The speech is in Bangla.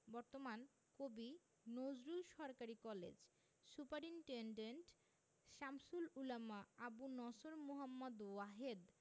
বর্তমান কবি নজরুল সরকারি কলেজ সুপারিন্টেন্ডেন্ট শামসুল উলামা আবু নসর মুহম্মদ ওয়াহেদ